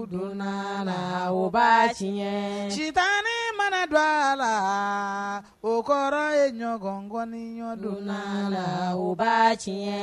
u dɔnn'ala u b'a tiɲɛ, Sitanɛ mana dɔon a la, o kɔrɔ ye ɲɔgɔ kɔniy'on donna la, o b'a tiɲɛn!